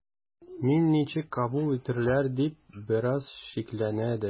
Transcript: “мине ничек кабул итәрләр” дип бераз шикләнә дә.